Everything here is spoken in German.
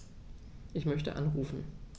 Ich möchte anrufen.